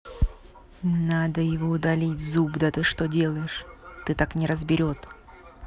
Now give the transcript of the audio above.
надо его удалить зуб да ты что делаешь ты так не разберет